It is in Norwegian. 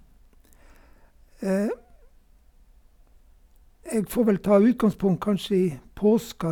Jeg får vel ta utgangspunkt, kanskje, i påska.